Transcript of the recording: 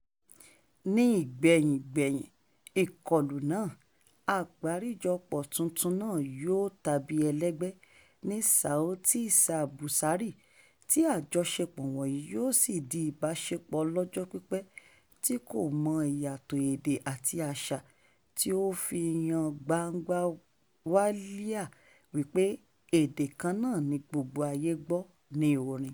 Ní ìgbẹ̀yìngbẹ́yín "ìkọlù" náà, àgbárijọpọ̀ tuntun náà yóò ta bí elégbé ní Sauti za Busara, tí àjọṣepọ̀ wọ̀nyí yóò sì di ìbáṣepọ̀ ọlọ́jọ́ pípẹ́ tí kò mọ ìyàtọ̀ èdè àti àṣà, tí ó fi hàn gbangba wálíà wípé èdè kan náà tí gbogbo ayé gbọ́ ni orin.